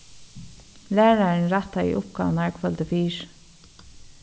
lærarin rættaði uppgávurnar kvøldið fyri